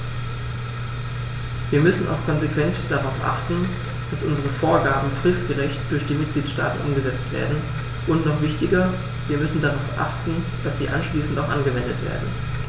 Wir müssen auch konsequent darauf achten, dass unsere Vorgaben fristgerecht durch die Mitgliedstaaten umgesetzt werden, und noch wichtiger, wir müssen darauf achten, dass sie anschließend auch angewendet werden.